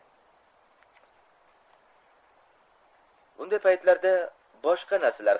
bunday paytlarda boshqa narsalar